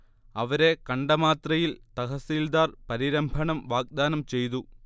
അവരെ കണ്ട മാത്രയിൽ തഹസീൽദാർ പരിരംഭണം വാഗ്ദാനം ചെയ്തു